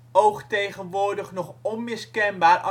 oogt tegenwoordig nog onmiskenbaar